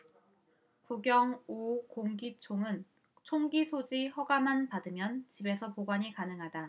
구경 오 공기총은 총기소지 허가만 받으면 집에서 보관이 가능하다